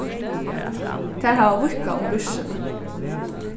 tær hava víðkað um virksemið